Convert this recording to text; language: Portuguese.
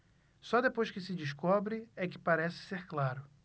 só depois que se descobre é que parece ser claro